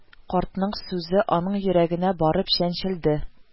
Картның сүзе аның йөрәгенә барып чәнчелде